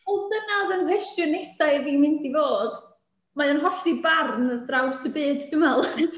Wel, dyna oedd 'y nghwestiwn nesa i yn mynd i fod. Mae o'n hollti barn ar draws y byd dwi'n meddwl .